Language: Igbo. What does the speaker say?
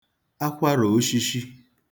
akwarà oshishi